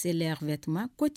Selentuma